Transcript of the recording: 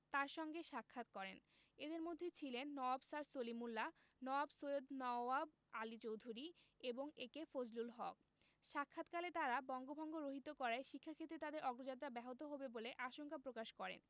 তাঁর সঙ্গে সাক্ষাৎ করেন এঁদের মধ্যে ছিলেন নওয়াব স্যার সলিমুল্লাহ নওয়াব সৈয়দ নওয়াব আলী চৌধুরী এবং এ.কে ফজলুল হক সাক্ষাৎকালে তাঁরা বঙ্গভঙ্গ রহিত করায় শিক্ষাক্ষেত্রে তাদের অগ্রযাত্রা ব্যাহত হবে বলে আশঙ্কা প্রকাশ করেন